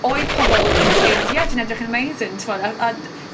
oedd pobol yn dweud ie ti'n edrych yn amazing t'mod a a dy-